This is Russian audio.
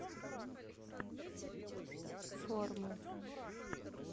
формы